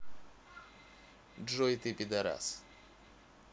джой ты пидарас